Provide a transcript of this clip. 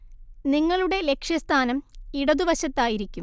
നിങ്ങളുടെ ലക്ഷ്യസ്ഥാനം ഇടതുവശത്തായിരിക്കും